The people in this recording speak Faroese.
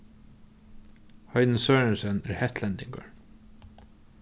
heini sørensen er hetlendingur